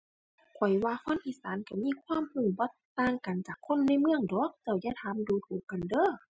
ข้อยว่าคนอีสานก็มีความก็บ่ต่างกันจากคนในเมืองดอก เจ้าอย่าถามดูถูกกันเด้อ